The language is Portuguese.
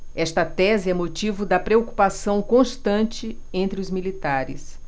esta tese é motivo de preocupação constante entre os militares